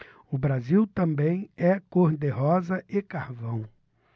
o brasil também é cor de rosa e carvão